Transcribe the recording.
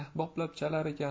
boplab chalar ekan